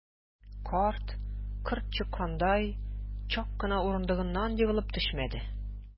Карт, корт чаккандай, чак кына урындыгыннан егылып төшмәде.